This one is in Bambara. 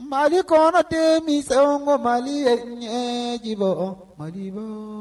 Mali kɔnɔ denmi ko mali ɲɛjibɔ malibɔ